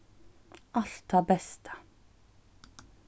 alt tað besta